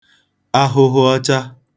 ahụhụọcha